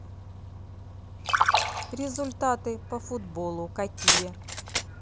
результаты по футболу какие